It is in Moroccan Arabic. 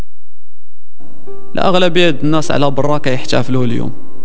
الاغلبيه الناس علي براك يحتفلون اليوم